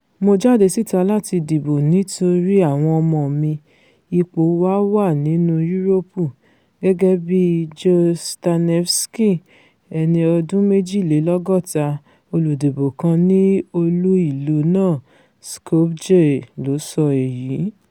'Mo jáde síta láti dìbò nítorí àwọn ọmọ mi, ipò wa wà nínú Yúróòpù,'' gẹ́gẹ́ bíi Gjose Tanevski, ẹni ọdún méjìlélọ́gọ́ta, olùdìbo kan ní olù-ìlú náà, Skopje ló sọ èyí.